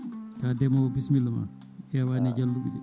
ka ndeemowo bisimilla ma hewani e jalluɓe de